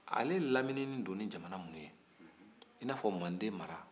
ale lamininen don ni jamana minnu ye i n'a fɔ manden mara